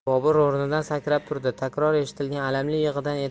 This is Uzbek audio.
bobur o'rnidan sakrab turdi takror eshitilgan alamli